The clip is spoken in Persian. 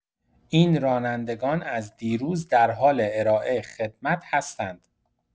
این رانندگان از دیروز در حال ارائه خدمت هستند.